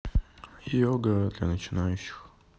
йога для начинающих